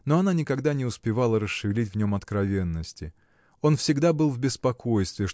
но она никогда не успевала расшевелить в нем откровенности. Он всегда был в беспокойстве